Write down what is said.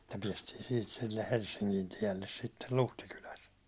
että päästiin siitä sille Helsingin tielle sitten Luhtikylässä